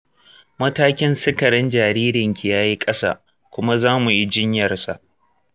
matakin sikarin jaririnki ya yi ƙasa kuma za mu yi jinyarsa